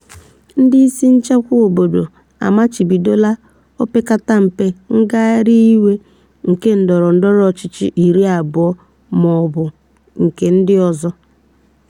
Ndị isi nchịkwa obodo amachidoola opekatampe ngagharị iwe nke ndọrọndọrọ ọchịchị 20 ma ọ bụ nke ndị ozọ.